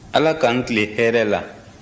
ala k'an tilen hɛrɛ la